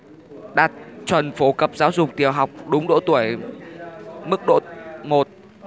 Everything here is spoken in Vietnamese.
đạt chuẩn phổ cập giáo dục tiểu học đúng độ tuổi mức độ một